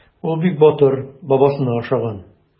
Ул бик батыр, бабасына охшаган.